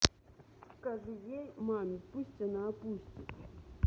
скажи ей маме пусть она опустит